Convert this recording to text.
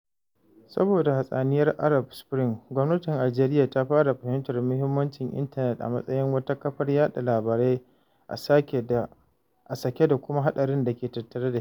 Saboda hatsaniyar Arab Spring, gwamnatin Aljeriya ta fara fahimtar muhimmancin Intanet a matsayin wata kafar yaɗa labarai a sake da kuma haɗarin da ke tattare da shi.